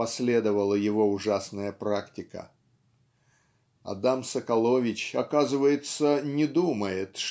последовала его ужасная практика. Адам Соколович оказывается не думает